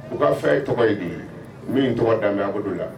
U kaa fɛɛn tɔgɔ ye dii miin tɔgɔ daanbɛ Abudu la